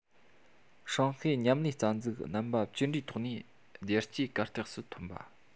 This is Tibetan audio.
ཧྲང ཧའེ མཉམ ལས རྩ འཛུགས རྣམ པ ཇི འདྲའི ཐོག ནས རྒྱལ སྤྱིའི གར སྟེགས སུ ཐོན པ